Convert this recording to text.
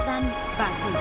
gian